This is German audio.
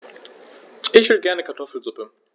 Ich will gerne Kartoffelsuppe.